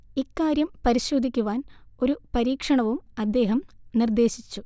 ഇക്കാര്യം പരിേശാധിക്കുവാൻ ഒരു പരീക്ഷണവും അദ്ദേഹം നിർേദ്ദശിച്ചു